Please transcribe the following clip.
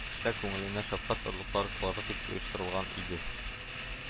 Кешеләр күңеленә шәфкать орлыклары салырлык итеп оештырылган иде